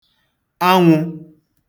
anwụ̄